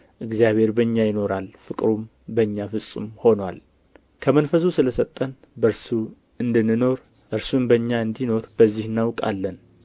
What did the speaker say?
እግዚአብሔር በእኛ ይኖራል ፍቅሩም በእኛ ፍጹም ሆኖአል ከመንፈሱ ስለ ሰጠን በእርሱ እንድንኖር እርሱም በእኛ እንዲኖር በዚህ እናውቃለን